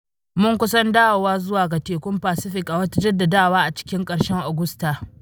“Mun kusan dawowa zuwa ga Tekun Pacific,” a wata jaddadawa a cikin ƙarshen Agusta.